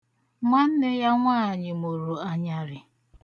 Nwanne ya nwaanyị mụrụ anyarị.